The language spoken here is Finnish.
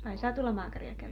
ai satulamaakareita kävi